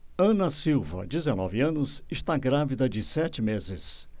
ana silva dezenove anos está grávida de sete meses